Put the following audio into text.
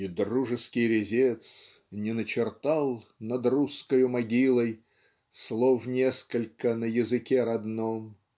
И дружеский резец не начертал над русскою могилой Слов несколько на языке родном